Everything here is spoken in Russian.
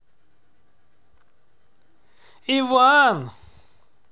иван